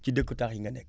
ci dëkku taax yi nga nekk